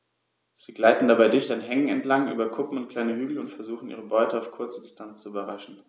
Sie gleiten dabei dicht an Hängen entlang, über Kuppen und kleine Hügel und versuchen ihre Beute auf kurze Distanz zu überraschen.